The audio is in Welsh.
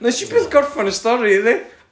wnes i i byth gorffen y stori iddi!